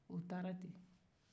o taara ten